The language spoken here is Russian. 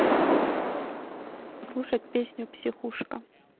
слушать песня психушка